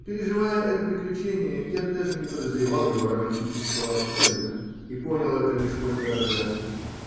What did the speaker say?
переживая это приключение, я даже не подозревал его романтического оттенка, и понял это лишь после развязки.